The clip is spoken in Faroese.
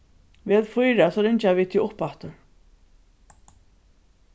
vel fýra so ringja vit teg uppaftur